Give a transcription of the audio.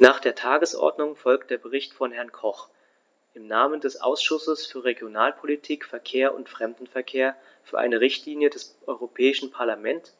Nach der Tagesordnung folgt der Bericht von Herrn Koch im Namen des Ausschusses für Regionalpolitik, Verkehr und Fremdenverkehr für eine Richtlinie des Europäischen Parlament